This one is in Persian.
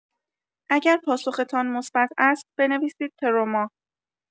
اگر پاسختان مثبت است، بنویسید تروما.